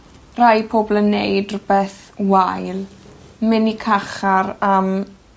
rhai pobol yn neud rhwbeth wael, myn' i carchar am